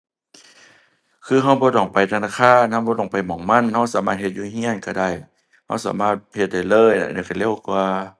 คือเราบ่ต้องไปธนาคาร เราบ่ต้องไปหม้องมัน เราสามารถเฮ็ดอยู่เราเราได้ เราสามารถเฮ็ดได้เลย อันนี้เราเร็วกว่า